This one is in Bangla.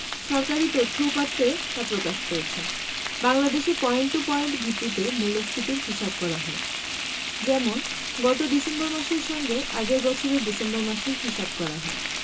সরকারি তথ্য উপাত্তে তা প্রকাশ পেয়েছে বাংলাদেশে পয়েন্ট টু পয়েন্ট ভিত্তিতে মূল্যস্ফীতির হিসাব করা হয় যেমন গত ডিসেম্বর মাসের সঙ্গে আগের বছরের ডিসেম্বর মাসের হিসাব করা হয়